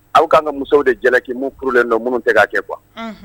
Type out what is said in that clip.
Aw ka kan ka musow de jalakiimu purlen nɔ minnu tɛ' kɛ kuwa